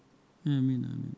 amine amine